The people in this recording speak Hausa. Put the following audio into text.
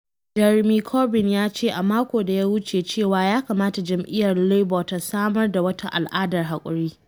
Jeremy Corbyn ya ce a mako da ya wuce cewa ya kamata jam’iyyar Labour ta samar da wata al’adar haƙuri.